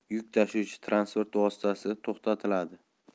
yuk tashuvchi transport vositasi to'xtatiladi